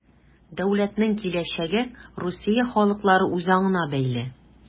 Дәүләтнең киләчәге Русия халыклары үзаңына бәйле.